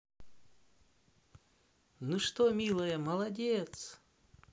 ну что милая молодец